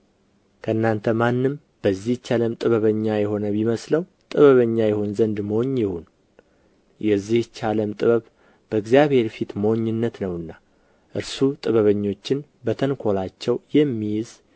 ከእናንተ ማንም በዚች ዓለም ጥበበኛ የሆነ ቢመስለው ጥበበኛ ይሆን ዘንድ ሞኝ ይሁን የዚህች ዓለም ጥበብ በእግዚአብሔር ፊት ሞኝነት ነውና እርሱ ጥበበኞችን በተንኰላቸው የሚይዝ